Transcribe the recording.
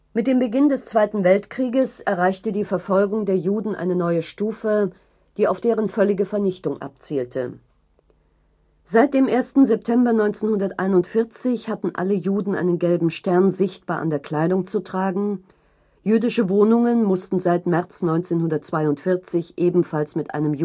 Beginn des Zweiten Weltkriegs erreichte die Verfolgung der Juden eine neue Stufe, die auf deren völlige Vernichtung abzielte. Seit dem 1. September 1941 hatten alle Juden einen gelben Stern sichtbar an der Kleidung zu tragen, jüdische Wohnungen mussten seit März 1942 ebenfalls mit einem